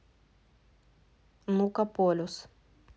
ну ка полюс